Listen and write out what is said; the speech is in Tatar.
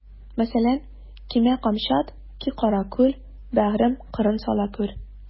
Мәсәлән: Кимә камчат, ки каракүл, бәгърем, кырын сала күр.